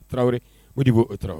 Tarawelere o de b'o tarawele